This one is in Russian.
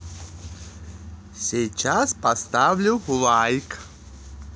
сейчас поставлю лайк